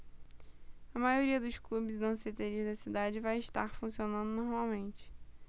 a maioria dos clubes e danceterias da cidade vai estar funcionando normalmente